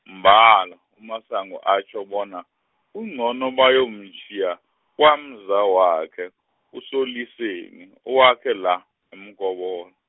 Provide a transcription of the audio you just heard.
mbala, uMasango atjho bona, kuncono bayomtjhiya, kwamzawakhe, uSoLiseni, owakhe la, eMkobo-.